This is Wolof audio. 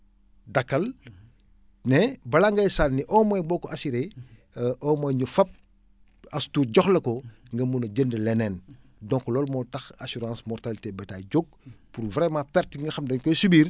dakkal mais balaa ngay sànni au moins boo ko assuré au moins ñu fob as tuut jox la ko nga mun a jënd leneen donc loolu moo tax assurance mortalité bétails jóg pour vraiment perte yi nga xam ne dañ koy subir